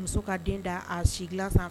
Muso ka den da a si dilan sanfɛ